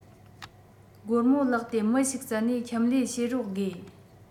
སྒོར མོ བརླག ཏེ མི ཞིག བཙལ ནས ཁྱིམ ལས བྱེད རོགས དགོས